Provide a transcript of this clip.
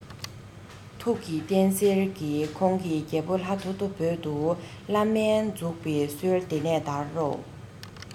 ཐུགས ཀྱི རྟེན གསེར གྱི ཁོང གིས རྒྱལ པོ ལྷ ཐོ ཐོ བོད དུ བླ སྨན འཛུགས པའི སྲོལ དེ ནས དར རོ